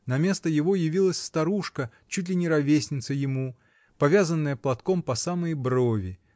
на место его явилась старушка, чуть ли не ровесница ему, повязанная платком по самые брови